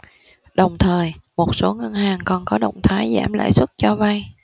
đồng thời một số ngân hàng còn có động thái giảm lãi suất cho vay